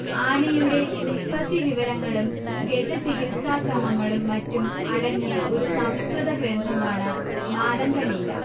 ആനയുടെ ഉൽപത്തിവിവരങ്ങളും ഗജചികിത്സാക്രമങ്ങളും മറ്റും അടങ്ങിയ ഒരു സംസ്കൃത ഗ്രന്ഥമാണ് മാതംഗലീല